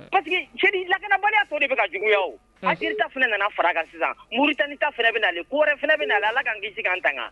Parce que jeli lagkbaliya so de bɛ ka juguya ata fana nana fara sisan mori tananita bɛ ko wɛrɛɛrɛ fana bɛ na la ala ka kisi an tanga